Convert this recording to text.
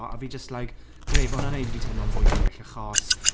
A fi jyst like "Grêt, ma' hwnna'n wneud i fi teimlo'n fwy well" achos...